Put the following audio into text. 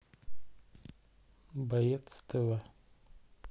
боец тв